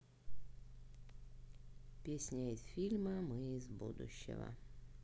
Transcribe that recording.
песня из фильма мы из будущего